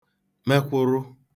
mekwụrụ